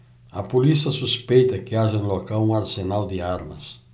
a polícia suspeita que haja no local um arsenal de armas